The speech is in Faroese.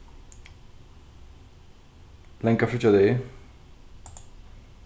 langa fríggjadegi